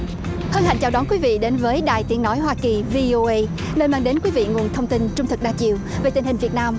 hân hạnh chào đón quý vị đến với đài tiếng nói hoa kỳ vi ô ây nơi mang đến quý vị nguồn thông tin trung thực đa chiều về tình hình việt nam